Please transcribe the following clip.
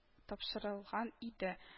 Тапшырылган иде